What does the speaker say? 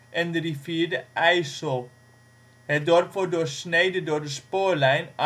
en de rivier de IJssel. Het dorp wordt doorsneden door de spoorlijn Arnhem-Zutphen